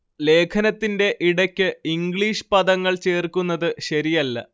ലേഖനത്തിന്റെ ഇടക്ക് ഇംഗ്ലീഷ് പദങ്ങൾ ചേർക്കുന്നത് ശരിയല്ല